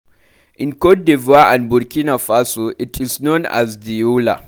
In Cote d'Ivoire and Burkina Faso, it is known as Dioula.